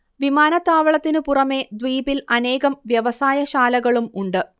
വിമാനത്താവളത്തിനു പുറമേ ദ്വീപിൽ അനേകം വ്യവസായ ശാലകളും ഉണ്ട്